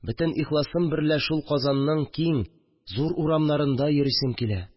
Бөтен ихласым берлә шул Казанның киң, зур урамнарында йөрисем килә